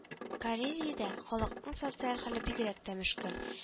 Карелиядә халыкның социаль хәле бигрәк тә мөшкел